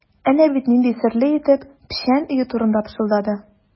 Әнә бит нинди серле итеп печән өю турында пышылдады.